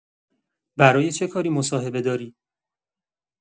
برای چه کاری مصاحبه داری؟